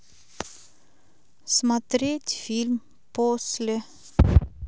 смотреть фильм после